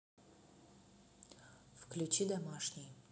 включи домашний